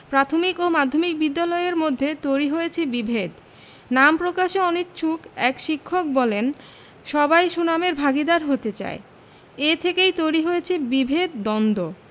প্রাথমিক ও মাধ্যমিক বিদ্যালয়ের মধ্যে তৈরি হয়েছে বিভেদ নাম প্রকাশে অনিচ্ছুক এক শিক্ষক বলেছেন সবাই সুনামের ভাগীদার হতে চায় এ থেকেই তৈরি হয়েছে বিভেদ দ্বন্দ্ব